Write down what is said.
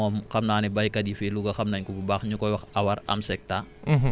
boobu moom xam naa ne béykat yi fii Louga xam nañ ko bu baax ñu koy wax awar amsecta